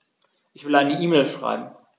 Ich will eine E-Mail schreiben.